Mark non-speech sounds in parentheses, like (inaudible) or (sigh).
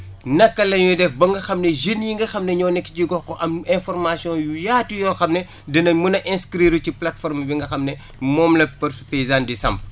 inaka la ñuy def ba nga xam ne jeunes yi nga xam ne énoo nekk gox am informations yu yaatu yoo xam ne (breath) dinañ mën a incrire ci plateforme bi nga xam ne (breath) moom la force paysne si samp